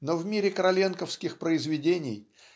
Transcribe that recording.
но в мире короленковских произведений